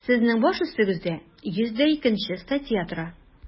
Сезнең баш өстегездә 102 нче статья тора.